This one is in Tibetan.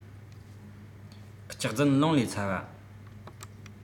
སྐྱག རྫུན རླུང ལས ཚ བ